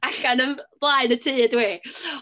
Allan yn blaen y tŷ ydw i!